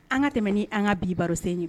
An ka tɛmɛ ni an ka bi barosen ye